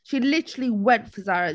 She literally went for Zara...